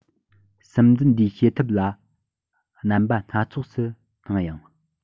སིམ འཛུལ འདིའི བྱེད ཐབས ལ རྣམ པ སྣ ཚོགས སུ སྣང ཡང